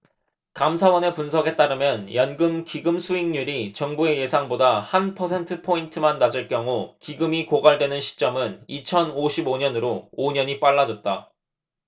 감사원의 분석에 따르면 연금기금수익률이 정부의 예상보다 한 퍼센트포인트만 낮을 경우 기금이 고갈되는 시점은 이천 오십 오 년으로 오 년이 빨라졌다